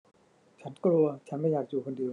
ฉันกลัวฉันไม่อยากอยู่คนเดียว